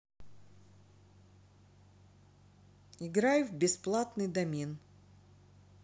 играй в бесплатный домен